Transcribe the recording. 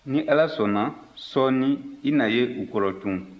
ni ala sɔnna sɔɔni i na ye u kɔrɔ tun